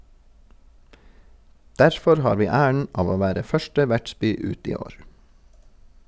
Derfor har vi æren av å være første vertsby ut i år.